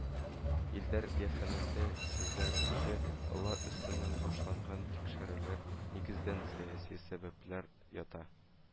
Илдар әфәнде сүзләренчә, алар өстеннән башланган тикшерүләр нигездән сәяси сәбәпләр ята